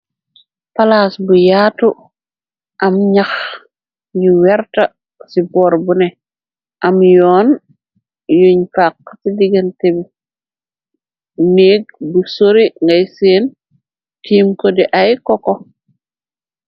Palaas bu yaatu am ñax yu werta ci boor bune am yoon yuñ faxq ci digantebi néeg bu sore ngay seen tiim ko di ay koko.